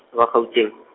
mo Gauteng.